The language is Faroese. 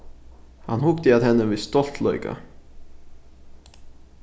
hann hugdi at henni við stoltleika